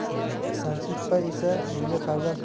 ksantippa esa menga farzand